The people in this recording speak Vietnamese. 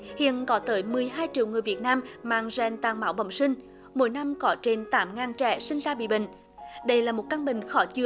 hiện có tới mười hai triệu người việt nam mang gen tan máu bẩm sinh mỗi năm có trên tám ngàn trẻ sinh ra bị bệnh đây là một căn bệnh khó chữa